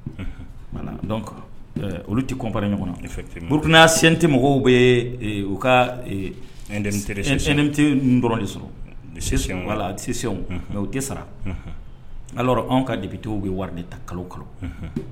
Olu tɛ kɔnbara ɲɔgɔn naurukyɛnte mɔgɔw bɛ u katte dɔrɔn de sɔrɔ wala mɛ u tɛ sara ala anw ka dibiw bɛ wari de ta kalo kɔrɔ